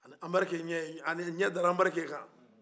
a ɲɛ dara anbarike kan